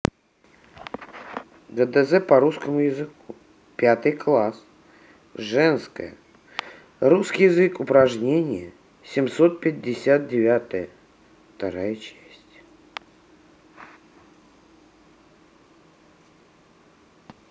гдз по русскому языку пятый класс женская русский язык упражнение семьсот пятьдесят девятая вторая часть